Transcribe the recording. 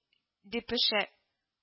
Дипишә